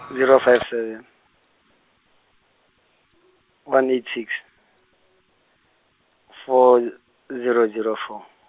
zero five seven, one eight six, four z-, zero zero four.